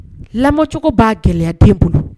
Lamɔcogo b'a gɛlɛya den bolo